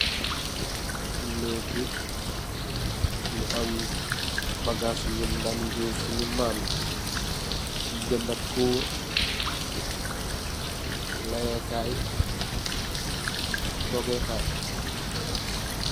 Neg bi ming am bagas un daan jafardinko ci sunu maan yi genah ak kuur leeyi kay togeh kai.